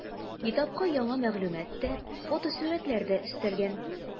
Китапка яңа мәгълүмат та, фотосурәтләр дә өстәлгән.